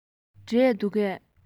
འབྲས འདུག གས